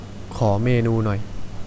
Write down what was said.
ขอเมนูหน่อย